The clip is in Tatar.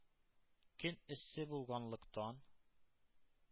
Көн эссе булганлыктан,